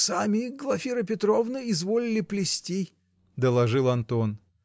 "Сами Глафира Петровна изволили плести", -- доложил Антон.